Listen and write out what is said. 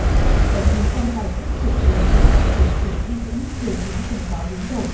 tống lý tông bài xích triệt để cựu đảng của sử di viễn triều chính từng có biến đổi